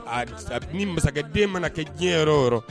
Asa ni masakɛden mana kɛ diɲɛyɔrɔ yɔrɔ